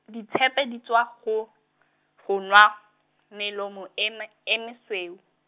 ditshephe di tswa go , go nwa, melomo e me-, e mesweu.